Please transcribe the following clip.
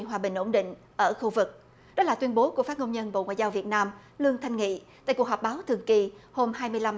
hòa bình ổn định ở khu vực đó là tuyên bố của phát ngôn nhân bộ ngoại giao việt nam lương thanh nghị tại cuộc họp báo thường kỳ hôm hai mươi lăm